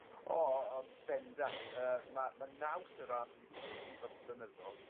O o yn bendant yy ma' ma' naws y ras wedi datblygu dros y blynyddodd